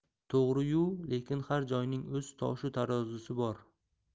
to'g'ri yu lekin har joyning o'z toshu tarozisi bor